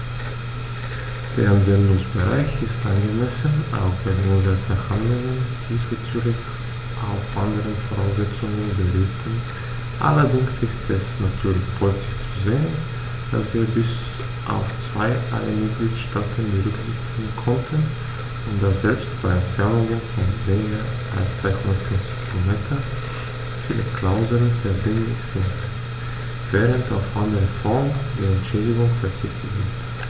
Der Anwendungsbereich ist angemessen, auch wenn unsere Verhandlungen diesbezüglich auf anderen Voraussetzungen beruhten, allerdings ist es natürlich positiv zu sehen, dass wir bis auf zwei alle Mitgliedstaaten berücksichtigen konnten, und dass selbst bei Entfernungen von weniger als 250 km viele Klauseln verbindlich sind, während auf andere Formen der Entschädigung verzichtet wird.